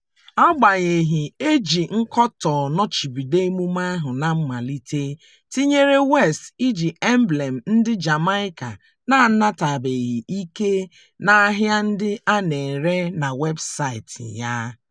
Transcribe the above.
Agbaghenyị, e ji nkọtọ nọchibido emume ahụ na mmalite, tinyere West iji emblem ndị Jaimaca na-anataghị ikike n'ahịa ndị a na-ere na weebusaịtị ya.